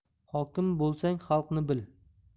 hokim bo'lsang xalqni bil